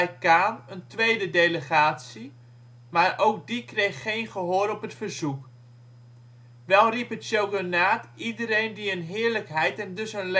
Khan een tweede delegatie, maar ook die kreeg geen gehoor op het verzoek. Wel riep het shogunaat iedereen die een heerlijkheid en dus een leger